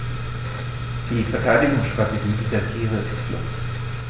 Die Verteidigungsstrategie dieser Tiere ist Flucht.